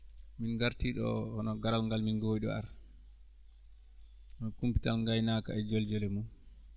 min ngartii ɗoo hono garal ngal min ngoowi ɗoo arde hono kumpital ngaynaaka e joljole mum